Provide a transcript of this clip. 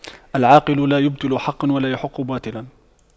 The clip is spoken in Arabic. العاقل لا يبطل حقا ولا يحق باطلا